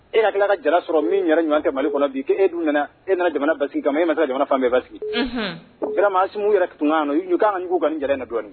E ka tila ka jala sɔrɔ min yɛrɛ ɲɔgɔn tɛ Mali kɔnɔ bi k'e dun nana e nana jamana basigi kama e man se jamana fan bɛɛ basigi vraiment Asimi o yɛrɛ tun man kan ka na o ka kan ka ɲugun u ka nin jala in na dɔɔnin.